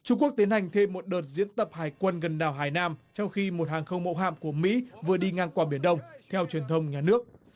trung quốc tiến hành thêm một đợt diễn tập hải quân gần đảo hải nam sau khi một hàng không mẫu hạm của mỹ vừa đi ngang qua biển đông theo truyền thông nước